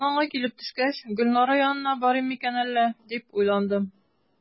Казанга килеп төшкәч, "Гөлнара янына барыйм микән әллә?", дип уйландым.